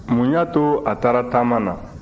mun y'a to a taara taama na